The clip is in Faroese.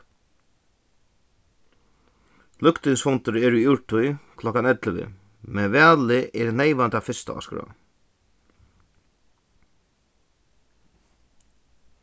løgtingsfundur er í úrtíð klokkan ellivu men valið er neyvan tað fyrsta á skrá